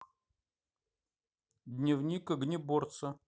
дневник огнеборца